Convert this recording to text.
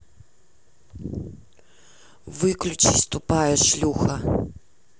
выключись тупая шлюха